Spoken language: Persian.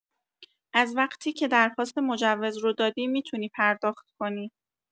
از وقتی که درخواست مجوز رو دادی می‌تونی پرداخت کنی